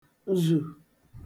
zù